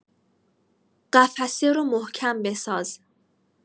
قفسه رو محکم بساز.